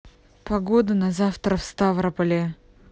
погода на завтра в ставрополе